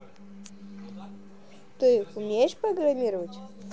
ты умеешь программировать